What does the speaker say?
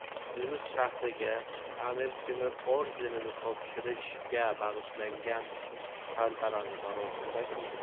termiz shahriga amir temur ordenini topshirishga bag'ishlangan tantanali marosimdagi nutq